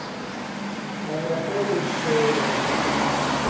анатолий шери